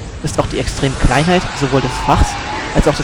Kleinheit sowohl des Fachs als auch